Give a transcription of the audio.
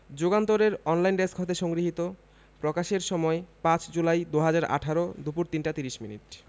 যুগান্তর এর online desk হতে সংগৃহীত প্রকাশের সময় ৫ জুলাই ২০১৮ দুপুর ৩টা ৩০ মিনিট